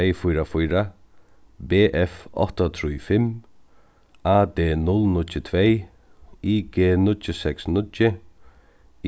tvey fýra fýra b f átta trý fimm a d null níggju tvey i g níggju seks níggju